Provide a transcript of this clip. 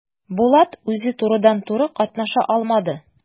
Булат үзе турыдан-туры катнаша алмады.